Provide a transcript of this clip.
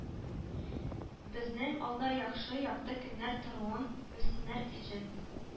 Безнең алда яхшы якты көннәр торуын белсеннәр өчен